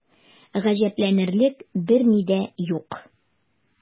Гаҗәпләнерлек берни дә юк.